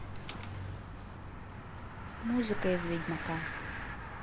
музыка из ведьмака